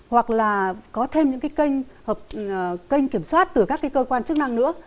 hoặc là có thêm những cái kênh hợp ờ kênh kiểm soát từ các cái cơ quan chức năng nữa